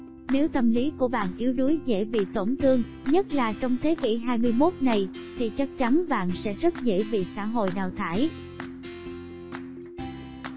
nếu tâm lý của bạn yếu đuối dễ bị tổn thương nhất là trong thế kỷ này thì chắc chắn bạn sẽ rất dễ bị xã hội đào thải